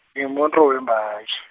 ngumuntu wembaji.